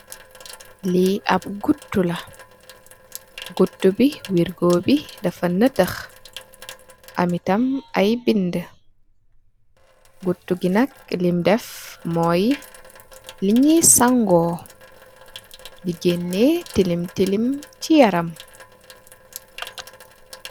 Lii ab guttu la, wërgoo bi dafa ñattax, am tam ay bindë. Guttu bi nak lim def mooy lu ñuy sañgoo, di gëënee tilim tilim si yaram.